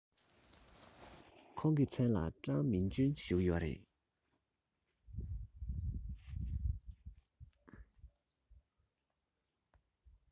ཁོང གི མཚན ལ ཀྲང མིང ཅུན ཞུ གི ཡོད རེད